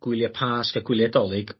gwylie pasg a gwylie Dolig